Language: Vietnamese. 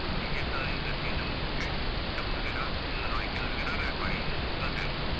thì ghép hơi gần như là một cái cách chống được cái đó loại trừ được cái đó ra khỏi cơ thể